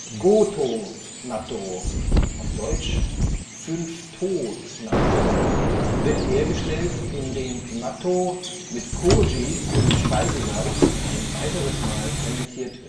Goto-Nattō (五斗納豆, deutsch: 5 To-Nattō) wird hergestellt, indem Nattō mit Kōji und Speisesalz ein weiteres Mal fermentiert